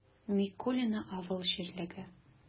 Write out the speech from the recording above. Микулино авыл җирлеге